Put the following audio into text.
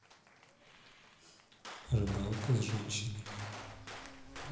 рыбалка с женщинами